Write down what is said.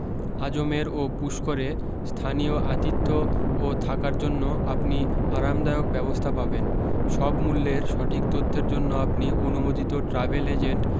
আজমের ও পুস্করে স্থানীয় আতিথ্য ও থাকার জন্য আপনি আরামদায়ক ব্যবস্থা পাবেন সব মূল্যের সঠিক তথ্যের জন্য আপনি অনুমোদিত ট্রাভেল এজেন্ট